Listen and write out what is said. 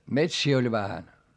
metsiä oli vähän